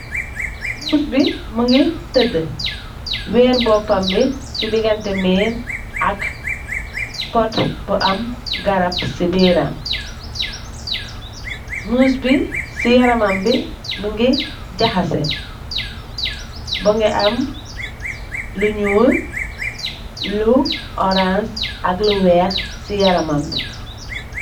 Muus bi mu ngi tëdd weer boppam bi ci diganteh miir ak pot bu am garab ci biiram. Muus bi ci yaramam bi mu ngi jahase mu ngi am lu ñuul, lu orance ak lu weex ci yaramam bi.